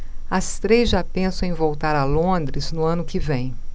as três já pensam em voltar a londres no ano que vem